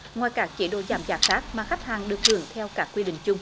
ngoài cảng chể đổ giảm giả khảng mà khách hàng được hưởng theo cảng quy định chung